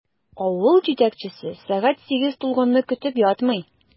Авыл җитәкчесе сәгать сигез тулганны көтеп ятмый.